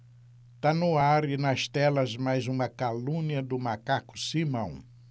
tá no ar e nas telas mais uma calúnia do macaco simão